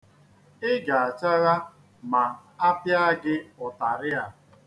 Ị ga-achagha ma a pịa gị ụtarị a.